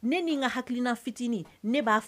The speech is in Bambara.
Ne nin n ka hakilikilina fitinin ne b'a